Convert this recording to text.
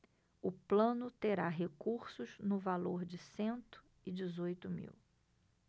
o plano terá recursos no valor de cento e dezoito mil